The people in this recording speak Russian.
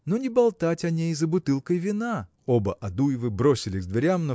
но не болтать о ней за бутылкой вина. Оба Адуевы бросились к дверям